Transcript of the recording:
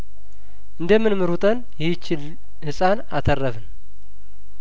እንደምንም ሩጠን ይህችን ህጻን አተረፍን